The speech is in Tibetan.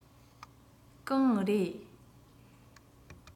གང རེད